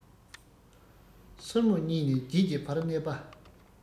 སོར མོ གཉིས ནས བརྒྱད ཀྱི བར གནས པ